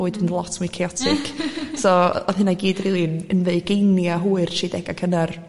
bywyd yn lot mwy chaotic so odd hynna i gyd rili yn fy ugeinia hwyr tri dega cynnar